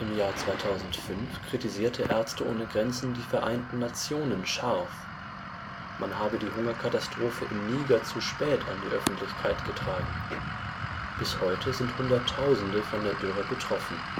Jahr 2005 kritisierte Ärzte ohne Grenzen die Vereinten Nationen scharf: Man habe die Hungerkatastrophe im Niger zu spät an die Öffentlichkeit getragen. Bis heute sind Hunderttausende von der Dürre betroffen